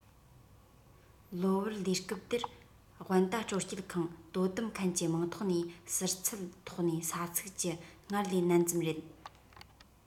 ལོ བར ལས སྐབས དེར དབན ཏ སྤྲོ སྐྱིད ཁང དོ དམ མཁན གྱི མིང ཐོག ནས ཟུར ཚད ཐོག ནས ས ཚིགས ཀྱི སྔར ལས ནན ཙམ རེད